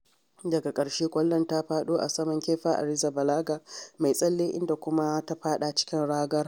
Daga ƙarshe ƙwallon ta faɗo a saman Kepa Arrizabalaga mai tsalle inda kuma ta faɗa cikin ragar.